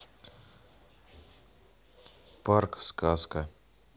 парк сказка